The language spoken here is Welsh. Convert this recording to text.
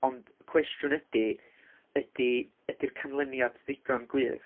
Ond cwestiwn ydy ydy ydy'r canlyniad ddigon gwych?